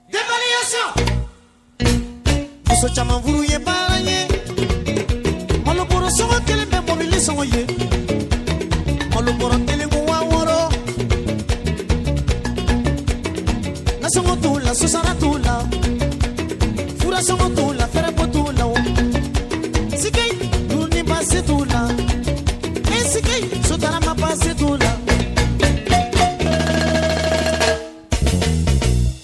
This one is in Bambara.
Bali muso caman furu ye ye kolon so kelen bɛ nisɔn ye kolon kelenku t'u la su t'u la furu t'u la fɛrɛ t'u la si dun ba se t'u lasi ba se t'u la